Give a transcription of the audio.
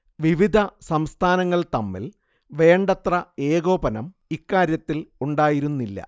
വിവിധ സംസ്ഥാനങ്ങൾ തമ്മിൽ വേണ്ടത്ര ഏകോപനം ഇക്കാര്യത്തിൽ ഉണ്ടായിരുന്നില്ല